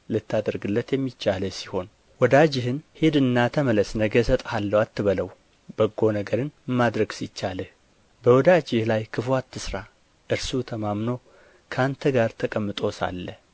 ልታደርግለት የሚቻልህ ሲሆን ወዳጅህን ሂድና ተመለስ ነገ እሰጥሃለሁ አትበለው በጎ ነገርን ማድረግ ሲቻልህ በወዳጅህ ላይ ክፉ አትሥራ እርሱ ተማምኖ ከአንተ ጋር ተቀምጦ ሳለ